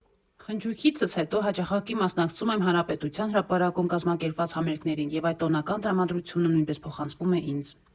Խնջույքիցս հետո հաճախակի մասնակցում եմ Հանրապետության հրապարակում կազմակերպված համերգներին և այդ տոնական տրամադրությունը նույնպես փոխանցվում է ինձ։